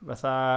Fatha...